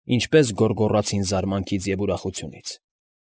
Ինչպե՜ս գոռգոռացին զարմանքից և ուրախությունից։